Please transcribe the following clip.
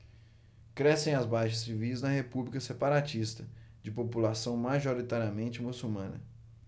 crescem as baixas civis na república separatista de população majoritariamente muçulmana